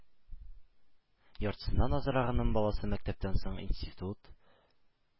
Яртысыннан азрагының баласы мәктәптән соң институт,